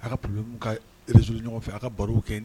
A ka ka z ɲɔgɔn fɛ a ka baro kɛ